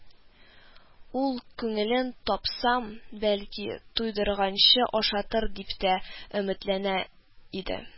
Ул, күңелен тапсам, бәлки туйдырганчы ашатыр дип тә өметләнә иде